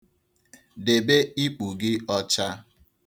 Debe ikpu gị ọcha.